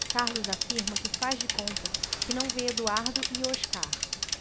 carlos afirma que faz de conta que não vê eduardo e oscar